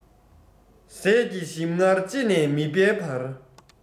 ཟས ཀྱི ཞིམ མངར ལྕེ ནས མིད པའི བར